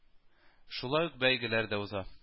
Шулай ук бәйгеләр дә уза